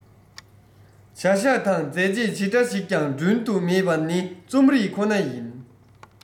བྱ བཞག དང མཛད རྗེས ཇི འདྲ ཞིག གིས ཀྱང བསྒྲུན དུ མེད པ ནི རྩོམ རིག ཁོ ན ཡིན